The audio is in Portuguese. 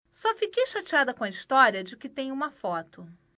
só fiquei chateada com a história de que tem uma foto